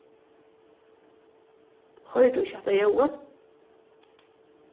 hoyrir tú ikki hatta ljóðið